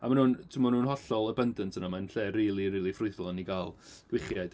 A mae'n nhw'n timod maen nhw'n hollol abundant yna, mae'n lle rili rili ffrwythlon i gael gwichiaid.